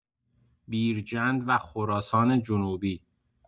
بیرجند و خراسان‌جنوبی